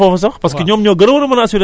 boroom poulailler yi ñoom nga xam nañ